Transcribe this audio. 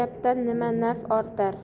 gapdan nima naf ortar